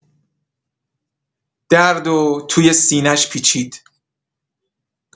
درد و توی سینه‌اش پیچید.